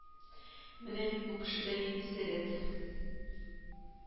Менә бит бу кешедә нинди сәләт